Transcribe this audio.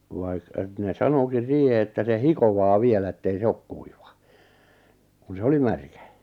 vaikka että ne sanoikin siihen että se hikoaa vielä että ei se ole kuiva kun se oli märkä